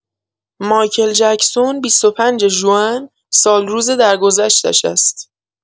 مایکل جکسون ۲۵ ژوئن، سالروز درگذشتش است.